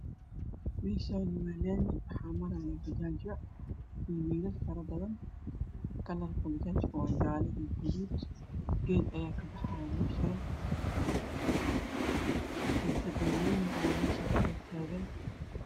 Meshani waa lami waxa marayo bajaj io wll badan kalrka bajaja waa jale io gaduud geel aya mesh kabaxayo io tabeloyin aya mesh katagtagan